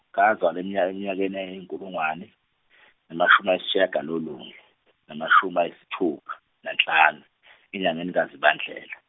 ngazalwa eminyak- emnyakeni eyinkulungwane namashumi ayisishagalolunye namashumi ayisithupha nahlanu enyangeni kaZibandlela.